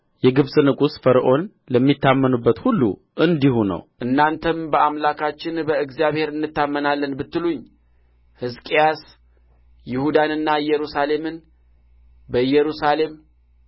የግብጽ ንጉሥ ፈርዖን ለሚታመኑበት ሁሉ እንዲሁ ነው እናንተም በአምላካችን በእግዚአብሔር እንታመናለን ብትሉኝ ሕዝቅያስ ይሁዳንና ኢየሩሳሌምን በኢየሩሳሌም